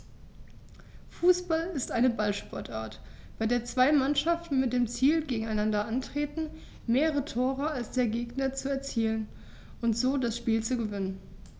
Fußball ist eine Ballsportart, bei der zwei Mannschaften mit dem Ziel gegeneinander antreten, mehr Tore als der Gegner zu erzielen und so das Spiel zu gewinnen.